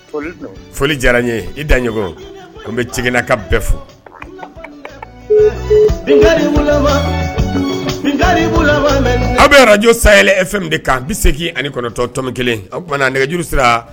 Foli do , foli diyara a n ye , i Danŋoko, an bɛ tiɛkana ka bɛɛ fo , aw b radio shael FM de kan 89.1, o kuman nɛgɛj juru sera,